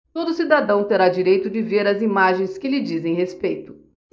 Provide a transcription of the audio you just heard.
todo cidadão terá direito de ver as imagens que lhe dizem respeito